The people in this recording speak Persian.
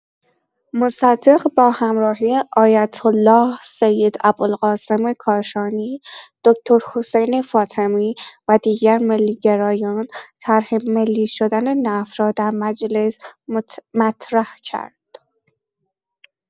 مصدق با همراهی آیت‌الله سیدابوالقاسم کاشانی، دکتر حسین فاطمی و دیگر ملی‌گرایان، طرح ملی شدن نفت را در مجلس مطرح کرد.